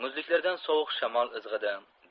muzliklardan sovuq shamol izg'idi